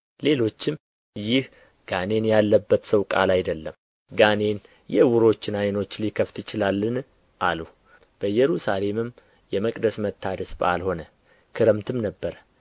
ሌሎችም ይህ ጋኔን ያለበት ሰው ቃል አይደለም ጋኔን የዕውሮችን ዓይኖች ሊከፍት ይችላልን አሉ በኢየሩሳሌምም የመቅደስ መታደስ በዓል ሆነ ክረምትም ነበረ